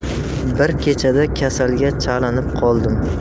bir kechada kasalga chalinib qoldim